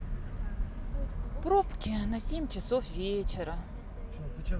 пробки на семь часов вечера